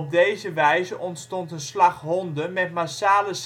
deze wijze ontstond een slag honden met massale